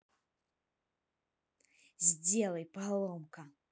сделай поломка